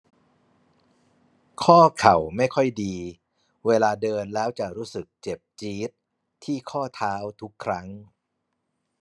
ข้อเข่าไม่ค่อยดีเวลาเดินแล้วจะรู้สึกเจ็บจี๊ดที่ข้อเท้าทุกครั้ง